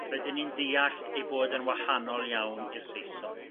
rydyn ni'n diall ei bod yn wahanol iawn i'r Saeson